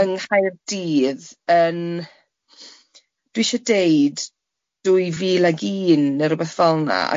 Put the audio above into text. ...yng Nghaerdydd yn, dw'isie deud dwy fil ag un neu rywbeth felna ac odd... Ie.